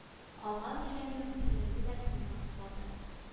Калган җирәнүем тереләнде дә тынны каплады